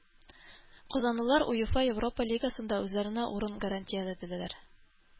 Казанлылар УЕФА Европа Лигасында үзләренә урын гарантияләделәр.